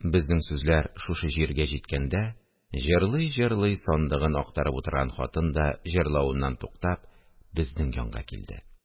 Безнең сүзләр шушы җиргә җиткәндә, җырлый-җырлый сандыгын актарып утырган хатын да, җырлавыннан туктап, безнең янга килде